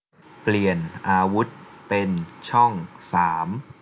เปลี่ยนอาวุธเป็นช่องสาม